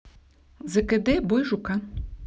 зкд бой жука